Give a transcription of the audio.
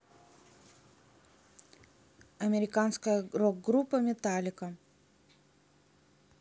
американская рок группа metallica